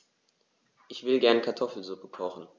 Ich will gerne Kartoffelsuppe kochen.